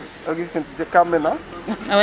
Augustine ka mbind na